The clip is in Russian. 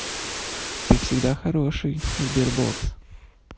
ты всегда хороший sberbox